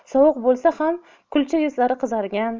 sovuq bo'lsa ham kulcha yuzlari qizargan